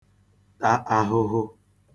ta ahụhụ